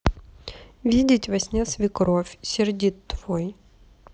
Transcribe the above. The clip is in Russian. видеть во сне свекровь сердит твой